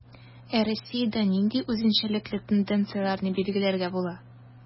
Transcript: Ә Россиядә нинди үзенчәлекле тенденцияләрне билгеләргә була?